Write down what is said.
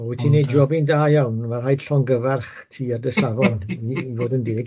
O wyt ti'n neud jobyn i'n da iawn, ma' rhaid llongyfarch ti ar dy safon i fod yn deg.